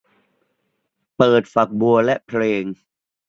เปิดฝักบัวและเพลง